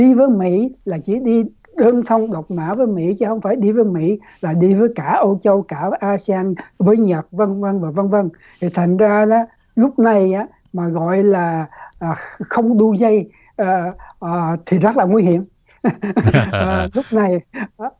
đi với mỹ là chỉ đi đơn thân độc mã với mỹ chứ không phải đi với mỹ là đi với cả âu châu cả a se an với nhật vân vân và vân vân thì thành ra đó lúc này á mà gọi là không đu dây ờ ờ thì rất là nguy hiểm và lúc này